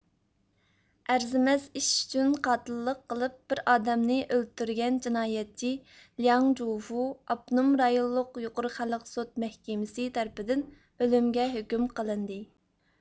ئەرزىمەس ئىش ئۈچۈن قاتىللىق قىلىپ بىر ئادەمنى ئۆلتۈرگەن جىنايەتچى لياڭ جۆفۇ ئاپتونوم رايونلۇق يۇقىرى خەلق سوت مەھكىمىسى تەرىپىدىن ئۆلۈمگە ھۆكۈم قىلىندى